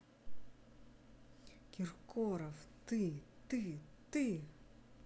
киркоров ты ты ты